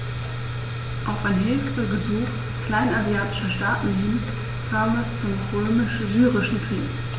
Auf ein Hilfegesuch kleinasiatischer Staaten hin kam es zum Römisch-Syrischen Krieg.